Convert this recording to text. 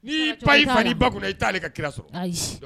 N'i ba i fa i ba kunna i'ale ka kira sɔrɔ